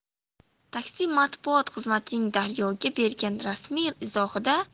taxi matbuot xizmatining daryo ga bergan rasmiy izohida